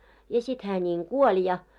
ja sitten hän niin kuoli ja